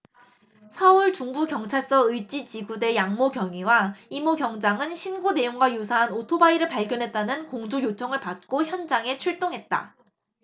서울중부경찰서 을지지구대 양모 경위와 이모 경장은 신고 내용과 유사한 오토바이를 발견했다는 공조 요청을 받고 현장에 출동했다